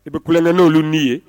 I bɛ kulɔŋɛ n'olu ni ye